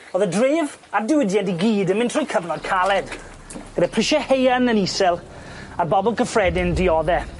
O'dd y dref a diwydiant i gyd yn mynd trwy cyfnod caled, gyda prisie haearn yn isel a'r bobol cyffredin yn diodde.